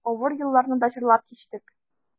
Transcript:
Авыр елларны да җырлап кичтек.